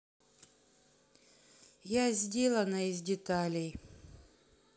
я сделана из деталей